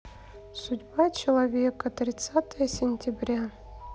судьба человека тридцатое сентября